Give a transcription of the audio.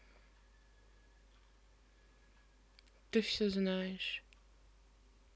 ты все знаешь